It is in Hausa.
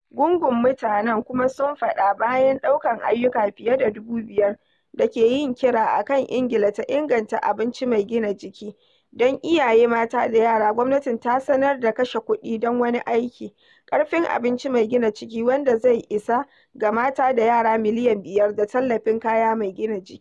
Gungun mutanen kuma sun faɗa bayan ɗaukan ayyuka fiye da 5,000 da ke yin kira a kan Ingila ta inganta abinci mai gina jiki don iyaye mata da yara, gwamnatin ta sanar da kashe kuɗi don wani aiki, Karfin Abinci Mai Gina Jiki, wanda zai isa ga mata da yara miliyan 5 da tallafin kaya mai gina jiki.